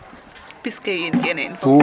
Pis ke yiin kene yiin fop.